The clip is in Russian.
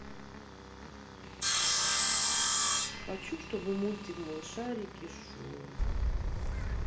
хочу чтобы мультик малышарики шел